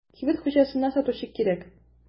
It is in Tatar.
Кибет хуҗасына сатучы кирәк.